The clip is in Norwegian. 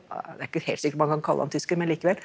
ja det er ikke helt sikkert man kan kalle han tysker, men likevel.